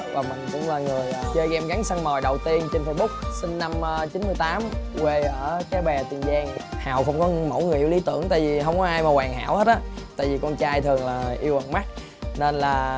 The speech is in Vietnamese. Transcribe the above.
và mình cũng là người người chơi gêm rắn săn mồi đầu tiên trên phây búc sinh năm chín mươi tám quê ở cái bè tiền giang hào không có mẫu người lý tưởng tại vì không có ai hoàn hảo hết á tại vì con trai thường là yêu bằng mắt nên là